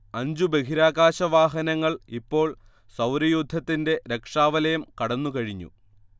അഞ്ചു ബഹിരാകാശവാഹനങ്ങൾ ഇപ്പോൾ സൗരയൂഥത്തിന്റെ രക്ഷാവലയം കടന്നുകഴിഞ്ഞു